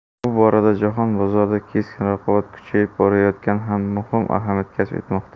bu borada jahon bozorida keskin raqobat kuchayib borayotgani ham muhim ahamiyat kasb etmoqda